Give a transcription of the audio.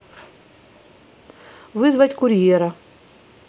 вызвать курьера